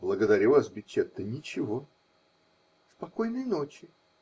-- Благодарю вас, Бичетта, ничего. -- Спокойной ночи.